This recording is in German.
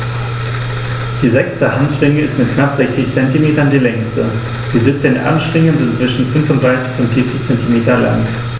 Die sechste Handschwinge ist mit knapp 60 cm die längste. Die 17 Armschwingen sind zwischen 35 und 40 cm lang.